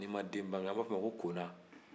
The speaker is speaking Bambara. n'i ma den bange an b'a fɔ i ma ko kona